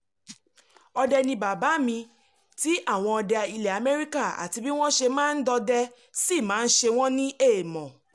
Ọdẹ ni bàbá mi tí àwọn ọdẹ ilẹ̀ America àti bí wọ́n ṣe máa ń dọdẹ sì máa ń ṣe wọ́n ní èèmọ̀.